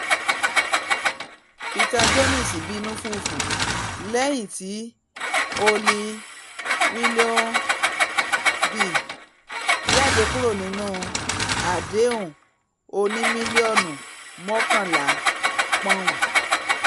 Peter Jones 'bínu fùfù' lẹ́yìn ti Holly Willoughby jáde kúrò nínú àdéhùn oní-mílíọ́nù mọ́kànlá pọ́uǹ